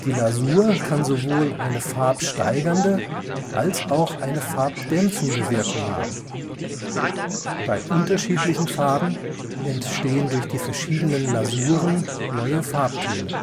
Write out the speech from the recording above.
Lasur kann sowohl eine farbsteigernde als auch eine farbdämpfende Wirkung haben. Bei unterschiedlichen Farben entstehen durch die verschiedenen Lasuren neue Farbtöne